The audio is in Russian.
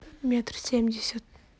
метр семьдесят